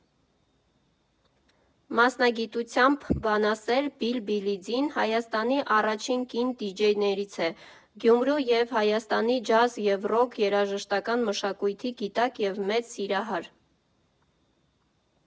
Մասնագիտությամբ բանասեր Բիլբիլիդին Հայաստանի առաջին կին դիջեյներից է, Գյումրու և Հայաստանի ջազ և ռոք երաժշտական մշակույթի գիտակ և մեծ սիրահար։